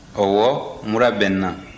ɔwɔ mura bɛ n na